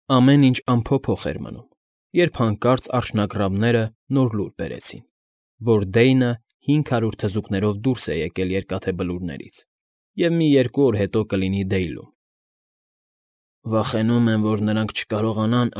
Ամեն ինչ անփոփոխ էր մնում, երբ հանկարծ արջնագռավները նոր լուր բերերցին, որ Դեյնը հինգ հարյուր թզուկներով դուրս է եկել Երկաթե Բլուրներից և մի երկու օր հետո կլինի Դեյլում։ ֊ Վախենում եմ, որ նրանք չկարողանան։